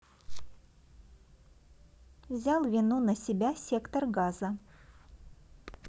взял вину на себя сектор газа